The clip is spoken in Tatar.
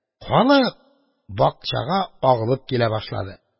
Халык бакчага агылып килә башлады.